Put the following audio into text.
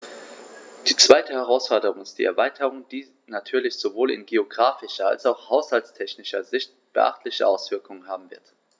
Die zweite Herausforderung ist die Erweiterung, die natürlich sowohl in geographischer als auch haushaltstechnischer Sicht beachtliche Auswirkungen haben wird.